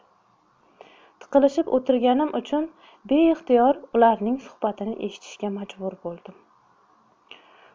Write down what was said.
tiqilishib o'tirganim uchun beixtiyor ularning suhbatini eshitishga majbur bo'ldim